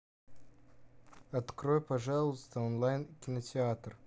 открой пожалуйста онлайн кинотеатр